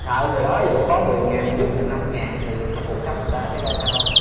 sợ người đó dù có mười ngàn mà giúp mình năm ngàn thì cái cuộc sống người ta thấy ra sao